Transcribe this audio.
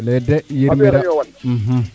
fele de yirman